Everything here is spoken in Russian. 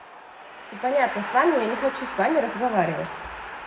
все понятно с вами я не хочу с вами разговаривать